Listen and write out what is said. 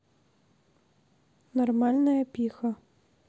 нормальная пиха